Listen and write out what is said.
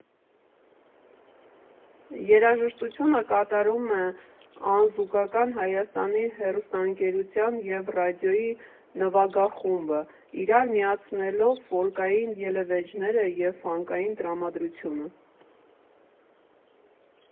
Երաժշտությունը կատարում է անզուգական Հայաստանի հեռուստաընկերության և ռադիոյի նվագախումբը՝ իրար միացնելով ֆոլկային ելևէջները և ֆանքային տրամադրությունը։